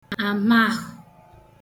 àmahụ̀